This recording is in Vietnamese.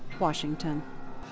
goa sinh tưn